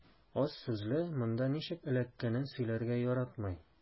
Аз сүзле, монда ничек эләккәнен сөйләргә яратмый.